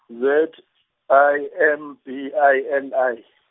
Z I M B I N I.